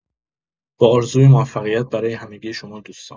با آرزوی موفقیت برای همگی شما دوستان